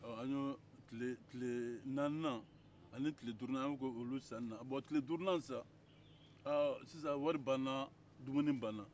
tile naaninan ani tile duurunan an y'olu k'o sannina bon tile duurunan sa aa sisan wari banna dumuni banna